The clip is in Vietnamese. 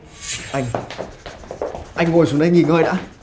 anh anh ngồi xuống đây nghỉ ngơi đã